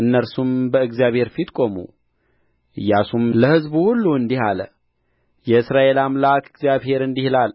እነርሱም በእግዚአብሔር ፊት ቆሙ ኢያሱም ለሕዝቡ ሁሉ እንዲህ አለ የእስራኤል አምላክ እግዚአብሔር እንዲህ ይላል